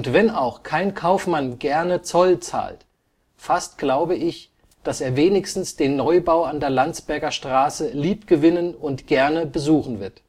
wenn auch kein Kaufmann gerne Zoll zahlt, fast glaube ich, daß er wenigstens den Neubau an der Landsberger Straße lieb gewinnen und gerne besuchen wird